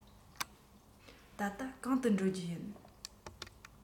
ད ལྟ གང དུ འགྲོ རྒྱུ ཡིན